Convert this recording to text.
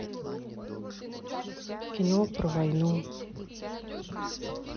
кино про войну